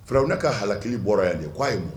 Firawuna ka halakili bɔra yan de k'a ye